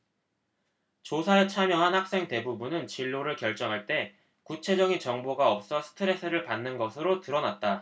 조사에 참여한 학생 대부분은 진로를 결정할 때 구체적인 정보가 없어 스트레스를 받는 것으로 드러났다